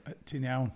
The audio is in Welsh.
Ti'n iawn.